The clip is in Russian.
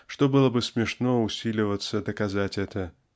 что было бы смешно усиливаться доказать это.